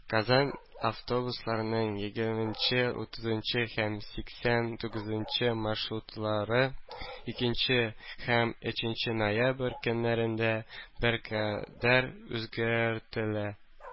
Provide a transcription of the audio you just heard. Казан автобусларының егерменче, утызынчы һәм сиксән тугызынчы маршрутлары икенче һәм өченче ноябрь көннәрендә беркадәр үзгәртелә.